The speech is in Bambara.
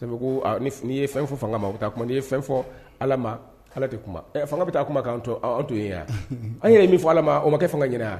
'i ye fɛn fo fanga ma o bɛ taa kuma n ye fɛn fɔ ala ma de kuma fanga bɛ taa kuma to ye yan an ye min fɔ ala ma o makɛ fanga ka ɲɛna wa